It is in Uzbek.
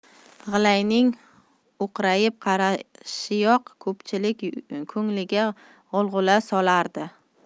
g'ilayning o'qrayib qarashiyoq ko'pchilik ko'ngliga g'ulg'ula solardi